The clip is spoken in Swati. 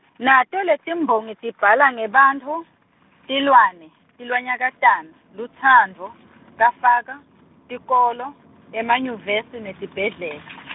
nato letiMbongi tibhala ngebantfu, tilwane, tilwanyakatane, lutsandvo, kafaka, tikolo, emanyuvesi, netibhedlela.